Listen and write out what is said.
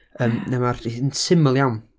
Yym, ne- ma'r un syml iawn...